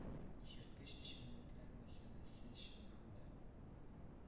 – исерткеч эчемлекләр мәсьәләсе, чыннан да,